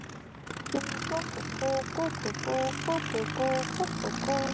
ку ку ку ку ку ку ку ку ку ку ку ку ку ку